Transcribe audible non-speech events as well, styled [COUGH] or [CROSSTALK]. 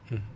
[HESITATION] [HESITATION]